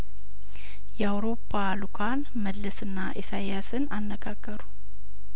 የአውሮፓ ልኡካን መለስና ኢሳያስን አነጋገሩ